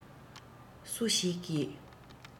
སུ ཞིག གིས